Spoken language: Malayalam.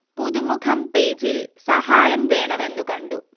പുതുമുഖം പേജിൽ സഹായം വേണമെന്നു കണ്ടു